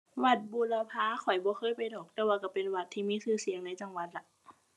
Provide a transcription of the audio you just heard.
วัดบูรพา ข้อยบ่เคยไปดอก แต่ว่าก็เป็นวัดที่มีก็เสียงในจังหวัดล่ะ